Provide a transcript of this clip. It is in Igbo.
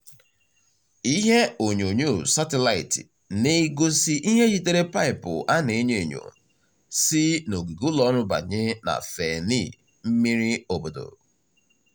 Ihe onyonyo satịlaịat na-egosi ihe yitere paịpụ a na-enyo enyo si n'ogige ụlọ ọrụ banye na Feeane, mmiri obodo.